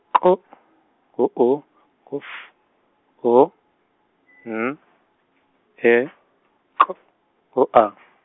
K , ngu U, ngu F, U, N, E, K, ngu A.